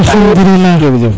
alkhadoulilah jerejef